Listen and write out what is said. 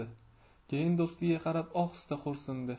keyin do'stiga qarab ohista xo'rsindi